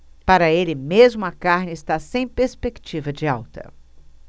para ele mesmo a carne está sem perspectiva de alta